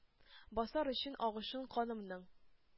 Басар өчен агышын канымның.